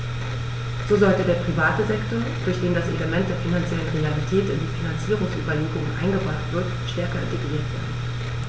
So sollte der private Sektor, durch den das Element der finanziellen Realität in die Finanzierungsüberlegungen eingebracht wird, stärker integriert werden.